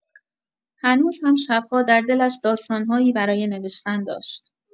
هنوز هم شب‌ها در دلش داستان‌هایی برای نوشتن داشت.